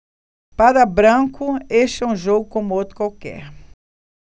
para branco este é um jogo como outro qualquer